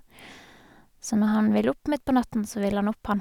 Så når han vil opp midt på natten, så vil han opp, han.